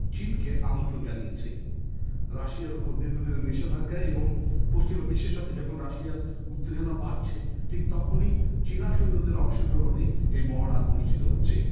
চীনকে আমন্ত্রণ জানিয়েছে রাশিয়ার উপর দীর্ঘদিনের নিষেধাজ্ঞায় এবং পশ্চিমা বিশ্বের সাথে যখন রাশিয়ার উত্তেজনা বাড়ছে ঠিক তখনই চিনা সৈন্যদের অংশগ্রহণে এই মহড়া অনুষ্ঠিত হচ্ছে